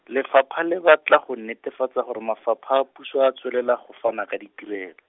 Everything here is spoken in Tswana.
lefapha le batla go netefatsa gore Mafapha a puso a tswelela go fana ka ditirelo.